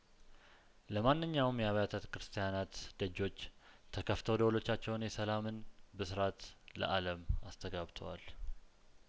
ለማንኛውም የአብያተ ክርስቲያናት ደጆች ተከፍተው ደወሎቻቸውን የሰላምን ብስራት ለአለም አስተጋብተዋል